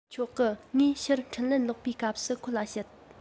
ཆོག གི ངས ཕྱིར འཕྲིན ལན ལོག པའི སྐབས སུ ཁོ ལ བཤད